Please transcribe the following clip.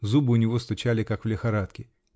Зубы у него стучали как в лихорадке.